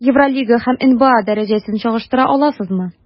Евролига һәм НБА дәрәҗәсен чагыштыра аласызмы?